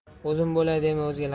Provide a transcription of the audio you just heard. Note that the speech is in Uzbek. o'zim bo'lay dema